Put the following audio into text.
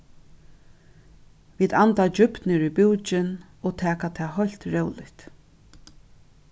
vit anda djúpt niður í búkin og taka tað heilt róligt